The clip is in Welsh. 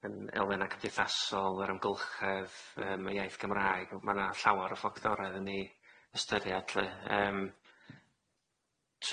yn elfenag cymdeithasol yr ymgylchedd yym y iaith Gymraeg ma' ma' na llawer o ffactoredd yn ei ystyried lly yym.